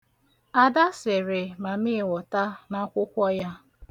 Ada sere mamịịwọta n'akwụkwọ ya.